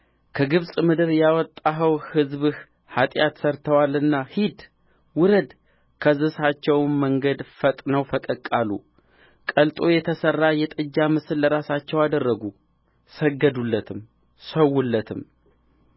ከግብፅ ምድር ያወጣኸው ሕዝብህ ኃጢአት ሠርተዋልና ሂድ ውረድ ካዘዝኋቸው መንገድ ፈጥነው ፈቀቅ አሉ ቀልጦ የተሠራ የጥጃ ምስል ለራሳቸው አደረጉ ሰገዱለትም ሠዉለትም